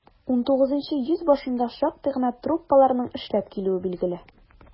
XIX йөз башында шактый гына труппаларның эшләп килүе билгеле.